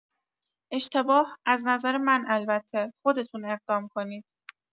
اشتباه، از نظر من البته، خودتون اقدام کنید.